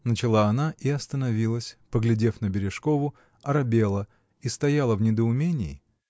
— начала она и остановилась, поглядев на Бережкову, оробела и стояла в недоумении.